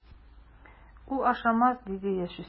Ул ашамас, - диде яшүсмер.